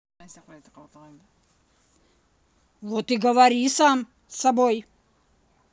вот и говори сам с собой